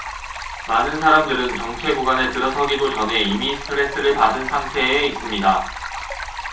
많은 사람들은 정체 구간에 들어서기도 전에 이미 스트레스를 받은 상태에 있습니다